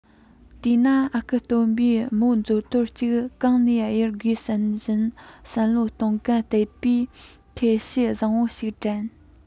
དེས ན ཨ ཁུ སྟོན པས རྨོན མཛོ དོར གཅིག གང ནས གཡར དགོས བསམ བཞིན བསམ བློ གཏོང གིན བསྟད པས ཐབས ཤེས བཟང པོ ཞིག དྲན